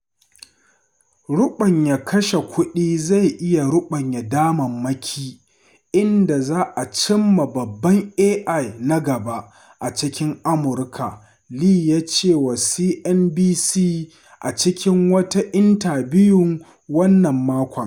Ruɓanya kashe kuɗi zai iya rubanya damammaki inda za a cimma babban AI na gaba a cikin Amurka, Lee ya ce wa CNBC a cikin wata intabiyu wannan makon.